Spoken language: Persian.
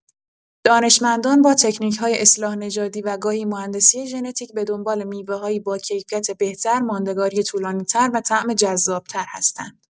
دانشمندان با تکنیک‌های اصلاح نژادی و گاهی مهندسی ژنتیک، به دنبال میوه‌هایی باکیفیت بهتر، ماندگاری طولانی‌تر و طعم جذاب‌تر هستند.